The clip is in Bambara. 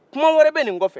kuman wɛrɛ bɛ nin kɔ fɛ